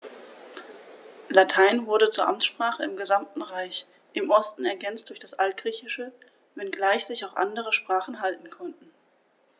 Latein wurde zur Amtssprache im gesamten Reich (im Osten ergänzt durch das Altgriechische), wenngleich sich auch andere Sprachen halten konnten.